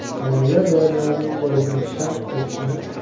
jamila doniyorning qo'lidan shartta ushlab